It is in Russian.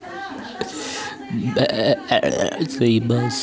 буря столетия триллер